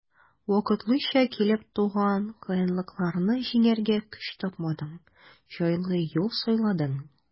Вакытлыча килеп туган кыенлыкларны җиңәргә көч тапмадың, җайлы юл сайладың.